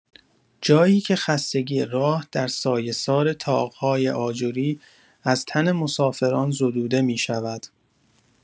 جایی که خستگی راه در سایه‌سار طاق‌های آجری از تن مسافران زدوده می‌شود.